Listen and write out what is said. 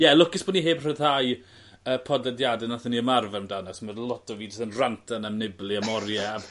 Ie lwcus bo' ni heb ryddhau y podlediade nathon ni ymarfer amdano 'os ma' 'na lot o fi jyst yn rantan am Nibali am orie a